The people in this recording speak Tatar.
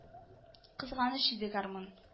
Кызганыч иде гармун